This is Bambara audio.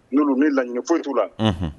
N'olu ni laɲini foyi t'u la unhun